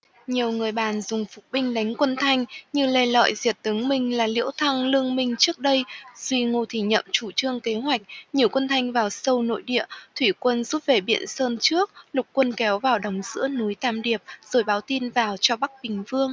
nhiều người bàn dùng phục binh đánh quân thanh như lê lợi diệt tướng minh là liễu thăng lương minh trước đây duy ngô thì nhậm chủ trương kế hoạch nhử quân thanh vào sâu nội địa thủy quân rút về biện sơn trước lục quân kéo vào đóng giữ núi tam điệp rồi báo tin vào cho bắc bình vương